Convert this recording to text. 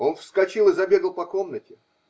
Он вскочил и забегал по комнате.